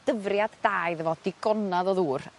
dyfriad da iddo fo digonadd o ddŵr.